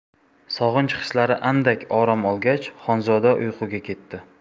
sog'inch hislari andak orom olgach xonzoda uyquga ketdi